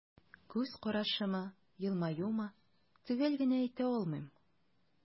Күз карашымы, елмаюмы – төгәл генә әйтә алмыйм.